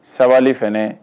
Sabali fana